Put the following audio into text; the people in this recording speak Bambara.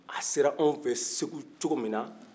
a sera anw fɛ segu cogomin na